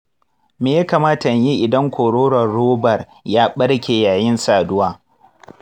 me ya kamata in yi idan kwaroron robar ya barke yayin saduwa?